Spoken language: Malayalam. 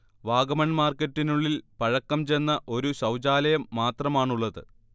വാഗമൺ മാർക്കറ്റിനുള്ളിൽ പഴക്കം ചെന്ന ഒരു ശൗചാലയം മാത്രമാണുള്ളത്